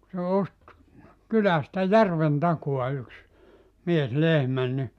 kun se osti kylästä järven takaa yksi mies lehmän niin